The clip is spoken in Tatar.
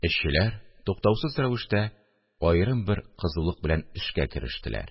Эшчеләр, туктаусыз рәвештә, аерым бер кызулык белән эшкә керештеләр